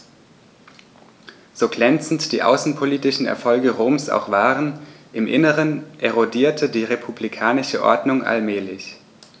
So glänzend die außenpolitischen Erfolge Roms auch waren: Im Inneren erodierte die republikanische Ordnung allmählich.